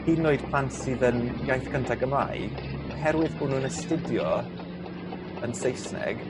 Hyd yn oed plant sydd yn iaith cynta Gymraeg oherwydd bo' nw'n astudio yn Saesneg